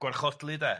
gwarchodlu 'de?